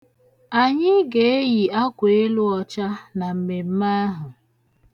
Anyị ga-eyi akweelu ọcha na mmemme ahụ.